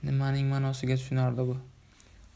nimaning ma'nosiga tushunardi bu